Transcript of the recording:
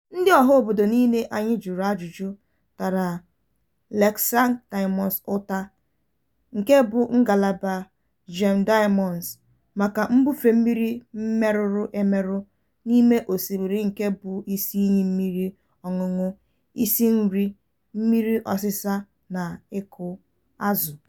Ndị ọhaobodo niile anyị juru ajụjụọnụ tara Letšeng Diamonds ụta — nke bụ ngalaba Gem Diamonds — maka mbufe mmiri merụrụ emerụ n'ime osimiri nke bụ isi iyi mmiri ọṅụṅụ, isi nri, mmiri ọsịsa na ịkụ azụ.